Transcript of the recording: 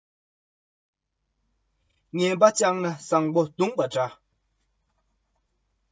རྐུན པོ གསོས ན ཆོས པ བསད པ འདྲ